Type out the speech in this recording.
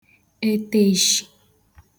ètèshì